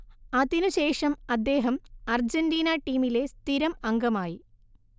അതിനുശേഷം അദ്ദേഹം അർജന്റീന ടീമിലെ സ്ഥിരം അംഗമായി